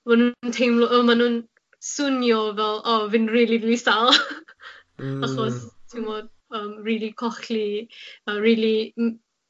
ma' nw'n teimlo o ma' nw'n swnio fel o fi'n rili rili sâl . Hmm. Achos t'mod yym rili colli a rili m-